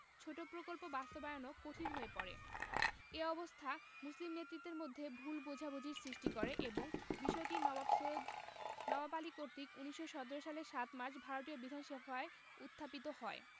ছোট প্রকল্প বাস্তবায়নও কঠিন হয়ে পড়ে এ অবস্থা মুসলিম নেতৃত্বের মধ্যে ভুল বোঝাবুঝির সৃষ্টি করে এবং বিষয়টি নবাব সৈয়দ নওয়াব আলী কর্তৃক ১৯১৭ সালের ৭ মার্চ ভারতীয় বিধানসভায় উত্থাপিত হয়